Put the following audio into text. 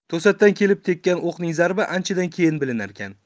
to'satdan kelib tekkan o'qning zarbi anchadan keyin bilinarkan